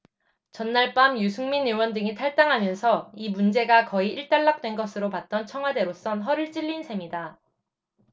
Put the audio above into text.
전날 밤 유승민 의원 등이 탈당하면서 이 문제가 거의 일단락된 것으로 봤던 청와대로선 허를 찔린 셈이다